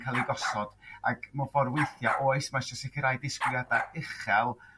ca'l i gosod ag mewn for' withia oes ma' isio sicrhau disgwyliada' uchel